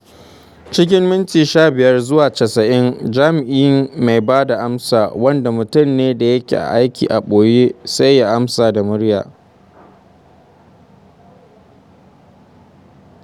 Cikin minti 15 zuwa 90, 'jami'in mai ba da amsa' (wanda mutum ne da yake aiki a ɓoye) sai ya amsa da murya.